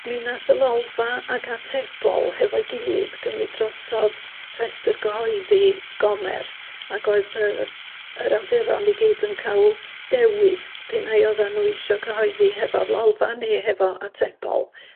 mi nath y Lolfa ac Atebol hefo'i gilydd gymryd drosodd rhestr gyhoeddi Gomer ac oedd y yr awduron i gyd yn ca'l dewis pe nai oeddan nw isio cyhoeddi hefo'r Lolfa nee hefo Atebol